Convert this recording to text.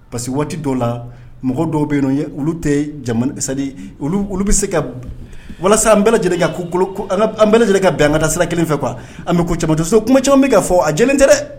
Parce waati dɔw la mɔgɔ dɔw bɛ yen'o ye olu tɛ olu bɛ se ka walasa an bɛɛ lajɛlen ka ku an bɛɛ lajɛlen ka bin an kada sira kelen fɛ kuwa an bɛ ko cajɔso kuma caman bɛ ka fɔ a j tɛ dɛ